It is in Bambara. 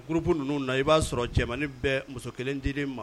Groupe ninnu na i b'a sɔrɔ cɛmanin bɛɛ muso 1 dilen